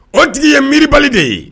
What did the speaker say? O tigi ye mibali de ye